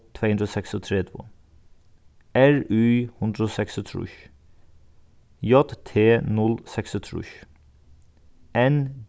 tvey hundrað og seksogtretivu r y hundrað og seksogtrýss j t null seksogtrýss n